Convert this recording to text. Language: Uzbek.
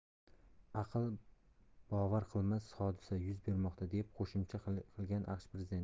aqlbovar qilmas hodisa yuz bermoqda deb qo'shimcha qilgan aqsh prezidenti